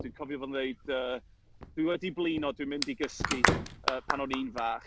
Dwi'n cofio fo'n ddeud, yy, "dwi wedi blino, dwi'n mynd i gysgu", yy, pan o'n i'n fach.